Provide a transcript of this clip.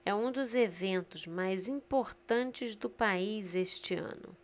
é um dos eventos mais importantes do país este ano